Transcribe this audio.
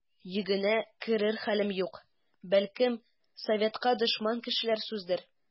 Йөгенә керер хәлем юк, бәлкем, советка дошман кешеләр сүзедер.